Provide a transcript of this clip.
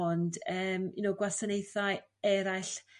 ond eem you know gwasanaethau eraill